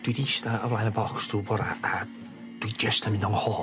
Dwi di ista o flaen y bocs drw' bora' a, dwi jyst yn mynd on ngho.